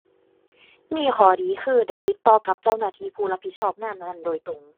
มีข้อดีคือได้ติดต่อกับเจ้าหน้าที่ผู้รับผิดชอบงานนั้นนั้นโดยตรง